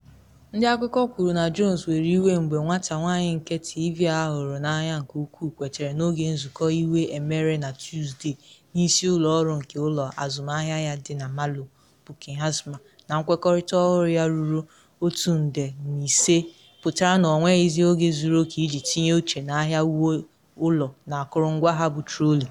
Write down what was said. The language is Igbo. Ndị akụkọ kwuru na Jones were ‘iwe’ mgbe nwata nwanyị nke TV ahụrụ n’anya nke ukwuu kwetere n’oge nzụkọ iwe emere na Tuesday n’isi ụlọ ọrụ nke ụlọ azụmahịa ya dị na Marlow, Buckinghamshire, na nkwekọrịta ọhụrụ ya - ruru £1.5 million - pụtara na ọ nweghịzị oge zuru oke iji tinye uche na ahịa uwe ụlọ na akụrụngwa ha bụ Truly.